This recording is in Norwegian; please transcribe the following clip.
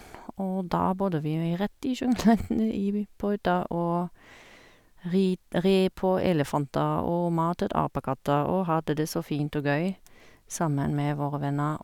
Og da bodde vi rett i jungelen i by på hytta, og rid red på elefanter og matet apekatter og hadde det så fint og gøy sammen med våre venner.